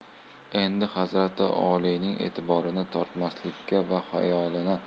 endi hazrati oliyning etiborini tortmaslikka va